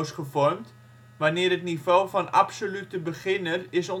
gevormd wanneer met het niveau van absolute beginner is